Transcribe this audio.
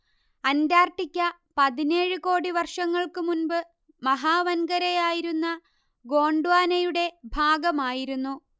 Antarctica പതിനേഴ് കോടി വർഷങ്ങൾക്ക് മുമ്പ് മഹാവൻകരയായിരുന്ന ഗോണ്ട്വാനയുടെ ഭാഗമായിരുന്നു